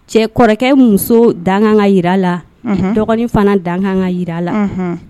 Cɛ kɔrɔkɛ muso danga jira la dɔgɔnin fana danga jira la